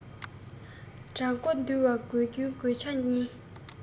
དགྲ མགོ འདུལ བར དགོས རྒྱུའི དགོས ཆ གཉིས